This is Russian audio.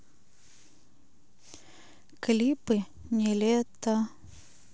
клипы не лето